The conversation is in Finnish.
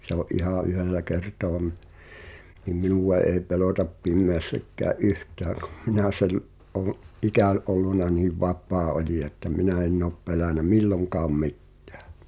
se oli ihan yhdellä kertaa - niin minua ei pelota pimeässäkään yhtään kun minä - olen ikäni ollut niin vapaa olija että minä en ole pelännyt milloinkaan mitään